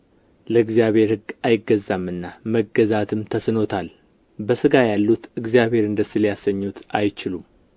ለእግዚአብሔር ሕግ አይገዛምና መገዛትም ተስኖታል በሥጋ ያሉትም እግዚአብሔርን ደስ ሊያሰኙት አይችሉም